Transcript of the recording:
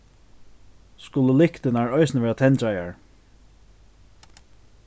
skulu lyktirnar eisini vera tendraðar